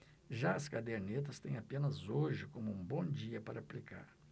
já as cadernetas têm apenas hoje como um bom dia para aplicar